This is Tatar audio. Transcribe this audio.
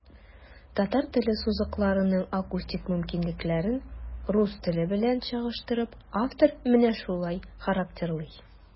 Татар теле сузыкларының акустик мөмкинлекләрен, рус теле белән чагыштырып, автор менә шулай характерлый.